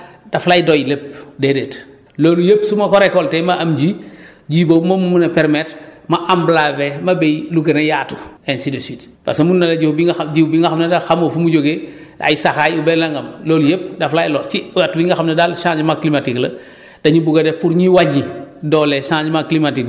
parce que première at bi mënuloo jënd li nga xam ne daal daf lay doy lépp déedéet loolu yëpp su ma ko récolter ma am ji ji boobu moo ma mun a permettre ma amblavé ma béy lu gën a yaatu ainsi de suite parce que mun na la jiw bi nga xam jiw bi nga xam ne daal xamoo fu mu jógee ay saxaay oubien nangam loolu yëpp daf lay lor ci soit li nga xam ne daal changement climatique la